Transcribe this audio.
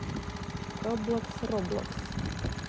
роблокс роблокс